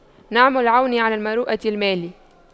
نعم العون على المروءة المال